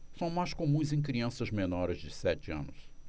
são mais comuns em crianças menores de sete anos